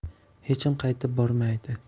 hecham qaytib bormaydi